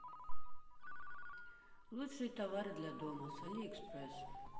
лучшие товары для дома с алиэкспресс